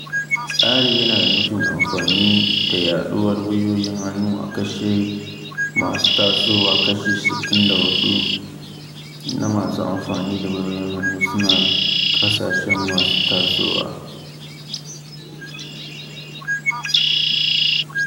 Tsarin yana da nufin amfani da yaɗuwar wayoyin hannu a ƙasashe masu tasowa – kashi 64% na masu amfani da wayoyin hannu suna ƙasashen masu tasowa.